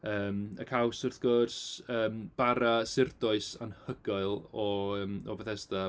Yym y caws wrth gwrs, yym bara surdoes anhygoel o yym o Fethesda.